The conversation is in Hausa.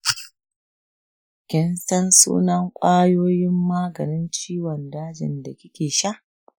kinsan sunan kwayoyin maganin ciwon dajin da kikesha?